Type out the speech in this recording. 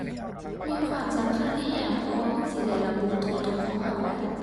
มีความสำคัญแรง เพราะว่ามันสิได้ระบุแรงตนของแรงได้